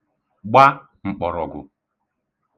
gba m̀kpọ̀rọ̀gwụ̀